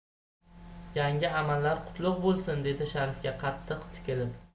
yangi amallar qutlug' bo'lsin dedi sharifga qattiq tikilib